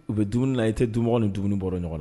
U bɛ dumuni na i tɛ dumɔgɔ ni dumuni bɔra ɲɔgɔn na